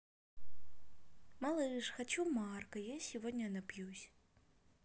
малыш хочу марко я сегодня напьюсь